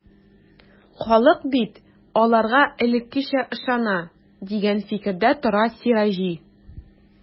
Халык бит аларга элеккечә ышана, дигән фикердә тора Сираҗи.